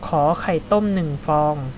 ขอไข่ต้มหนึ่งฟอง